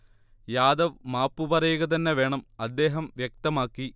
യാദവ് മാപ്പ് പറയുക തന്നെ വേണം, അ്ദദേഹം വ്യക്തമാക്കി